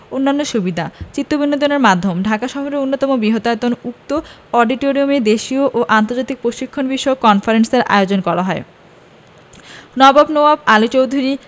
অন্যান্য সুবিধা ও চিত্তবিনোদনের মাধ্যম ঢাকা শহরের অন্যতম বৃহদায়তন উক্ত অডিটোরিয়ামে দেশীয় ও আন্তর্জাতিক প্রশিক্ষণ বিষয়ক কনফারেন্সের আয়োজন করা হয় নবাব নওয়াব আলী চৌধুরী